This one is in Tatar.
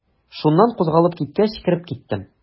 Шуннан кузгалып киткәч, кереп киттем.